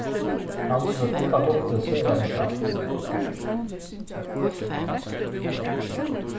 tann sum er uttan luktilsi og anga